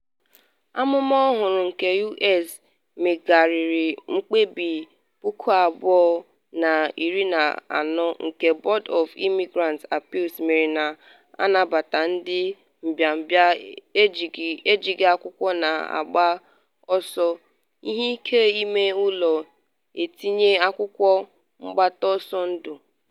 Amụma ọhụrụ nke U.S megharịrị mkpebi 2014 nke Board of Immigrant Appeals mere na-anabata ndị mbịambịa ejighị akwụkwọ na-agba ọsọ ihe ike ime ụlọ itinye akwụkwọ mgbata ọsọ ndụ.